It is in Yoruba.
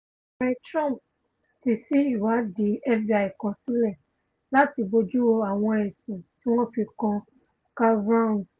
Ààrẹ Trump ti sí ìwáàdí FBI kan sílẹ̀ láti bojúwo àwọn ẹ̀sùn tí wọn fi kan Kavanaugh.